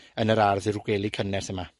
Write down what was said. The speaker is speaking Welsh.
yn yr ardd yw'r gwely cynnes yma.